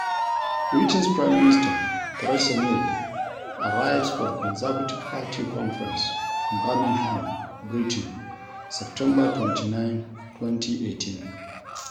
Britain's Prime Minister Theresa May arrives for the Conservative Party Conference in Birmingham, Britain, September 29, 2018.